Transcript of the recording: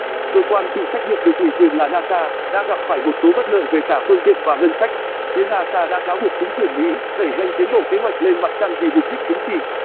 cơ quan chịu trách nhiệm được ủy quyền là nasa dã gặp phải một số bất lợi về cả phương tiện và ngân sách phía nasa đã cáo buộc chính quyền mỹ đẩy nhanh tiến độ kế hoạch lên mặt trăng vì mục đích chính trị